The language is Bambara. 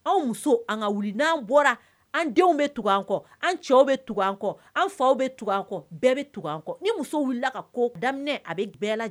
Anw muso an ka wuli n'an bɔra an denw bɛ tugu anan kɔ an cɛw bɛ tugu an kɔ an faw bɛ an kɔ bɛɛ bɛ tugu an kɔ ni muso wulila ka ko daminɛ a bɛ bɛɛ lajɛ